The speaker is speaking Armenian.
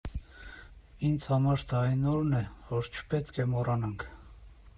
Ինձ համար դա այն օրն է, որ չպետք է մոռանանք։